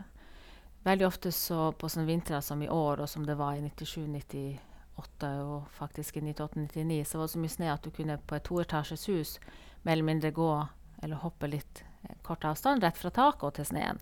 Veldig ofte så på sånne vintre som i år og som det var i nittisju nittiåtte og faktisk i nittiåtte nittini, så var det så mye snø at du kunne, på et toetasjes hus, mer eller mindre gå eller hoppe litt kort avstand rett fra tak og til snøen.